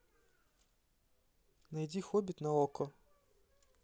найди хоббит на окко